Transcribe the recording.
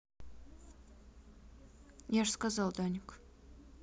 я же сказал даник